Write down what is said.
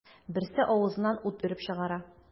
Берсе авызыннан ут өреп чыгара.